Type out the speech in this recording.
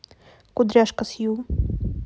кудряшка сью